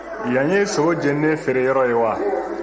yan ye sogo jeninen feereyɔrɔ ye wa